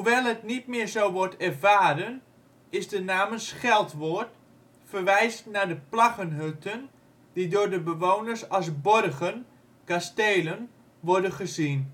het niet meer zo wordt ervaren, is de naam een scheldwoord, verwijzend naar de plaggenhutten die door de bewoners als borgen (kastelen) worden gezien